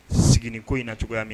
Sigili ko in na cogoya min